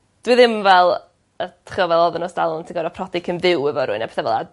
dwi ddim fel yy d'ch'mo' fel odd e'n e's dalwm to gor'o' prodi cyn byw efo rywun a petha fel 'a